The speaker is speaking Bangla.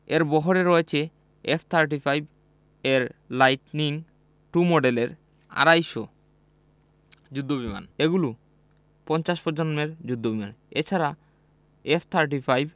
এর বহরে রয়েছে এফ থার্টি ফাইভ এর লাইটিনিং টু মডেলের আড়াই শ যুদ্ধবিমান এগুলো পঞ্চম প্রজন্মের যুদ্ধবিমান এ ছাড়া এফ থার্টি ফাইভ